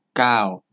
เก้า